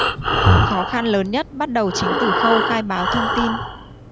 khó khăn lớn nhất bắt đầu chính từ khâu khai báo thông tin